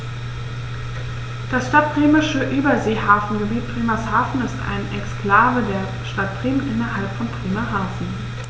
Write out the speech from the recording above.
Das Stadtbremische Überseehafengebiet Bremerhaven ist eine Exklave der Stadt Bremen innerhalb von Bremerhaven.